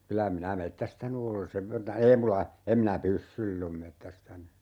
kyllä minä metsästänyt olen sen verta ei minulla en minä pyssyillä ole metsästänyt